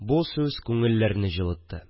Бу сүз күңелләрне җылытты